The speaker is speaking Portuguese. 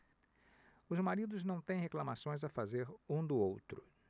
os maridos não têm reclamações a fazer um do outro